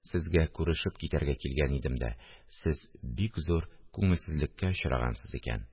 Сезгә күрешеп китәргә килгән идем дә, сез бик зур күңелсезлеккә очрагансыз икән